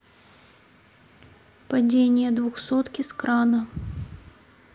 падение двухсотки с крана